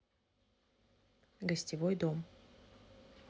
гостевой дом